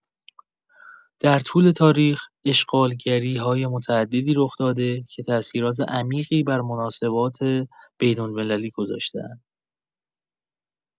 در طول تاریخ، اشغالگری‌های متعددی رخ‌داده که تأثیرات عمیقی بر مناسبات بین‌المللی گذاشته‌اند.